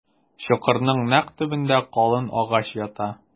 Чокырның нәкъ төбендә калын агач ята.